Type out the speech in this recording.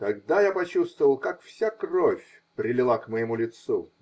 Тогда я почувствовал, как вся кровь прилила к моему лицу